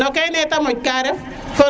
kene te monj ka ref